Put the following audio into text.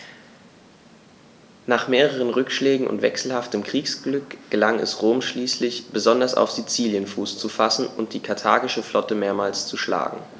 Nach mehreren Rückschlägen und wechselhaftem Kriegsglück gelang es Rom schließlich, besonders auf Sizilien Fuß zu fassen und die karthagische Flotte mehrmals zu schlagen.